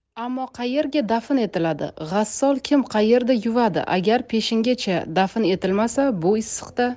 ammo qaerga dafn etiladi g'assol kim qaerda yuvadi agar peshingacha dafn etilmasa bu issiqda